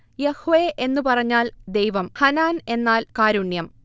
Yahweh എന്നു പറഞ്ഞാൽ ദൈവം, ഹനാൻ എന്നാൽ കാരുണ്യം